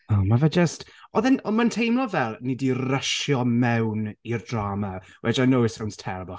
O ma' fe jyst, oedd e'n... ond ma'n teimlo fel ni 'di rysio mewn i'r drama, which I know it sounds terrible...